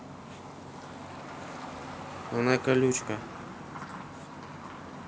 она колючка